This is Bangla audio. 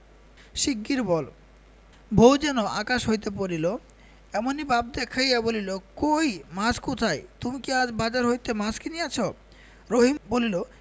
শীগগীর বল বউ যেন আকাশ হইতে পড়িল এমনি ভাব দেখাইয়া বলিল কই মাছ কোথায় তুমি কি আজ বাজার হইতে মাছ কিনিয়াছ রহিম বলিল